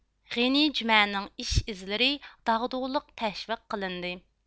غېنى جۈمەنىڭ ئىش ئىزلىرى داغدۇغىلىق تەشۋىق قىلىندى